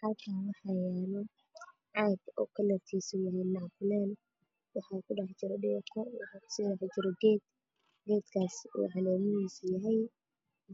Halkaan waxaa yaalo caag kalarkiisu uu yahay nacnackuleel waxaa kudhex jiro geed caleemihiisa waa